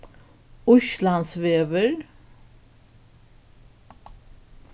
íslandsvegur